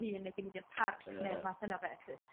hun ne' 'di mynd ir parc ne'r math yno beth lly.